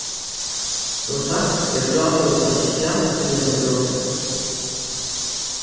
sum sagt er frásøgufólkið fjalt í hesum broti